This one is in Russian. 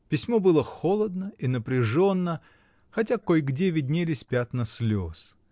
Письмо было холодно и напряженно, хотя кой-где виднелись пятна слез.